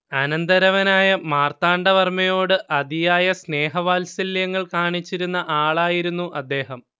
അനന്തരവനായ മാർത്താണ്ഡവർമ്മയോട് അതിയായ സ്നേഹവാത്സല്യങ്ങൾ കാണിച്ചിരുന്ന ആളായിരുന്നു അദേഹം